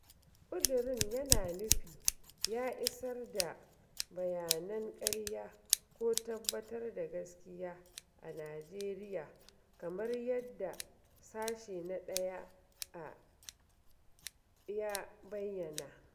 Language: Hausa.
ƙudirin yana nufi ya"[hana] isar da bayanan ƙarya ko tabbatar da gaskiya a Najeriya", kamar yadda Sashe na 1a ya bayyana.